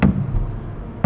ờ